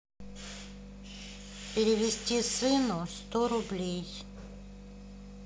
перевести сыну сто рублей